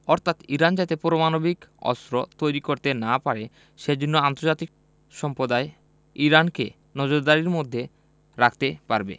অর্থাৎ ইরান যাতে পারমাণবিক অস্ত্র তৈরি করতে না পারে সে জন্য আন্তর্জাতিক সম্প্রদায় ইরানকে নজরদারির মধ্যে রাখতে পারবে